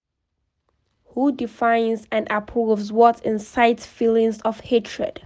Who defines and approves what incites feelings of hatred?